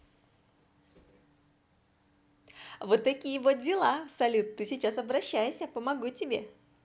вот такие вот дела салют ты сейчас обращайся помогу тебе